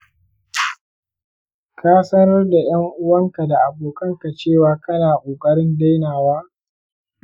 ka sanar da ‘yan uwanka da abokanka cewa kana ƙoƙarin dainawa.